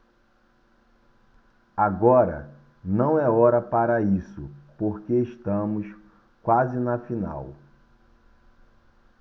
agora não é hora para isso porque estamos quase na final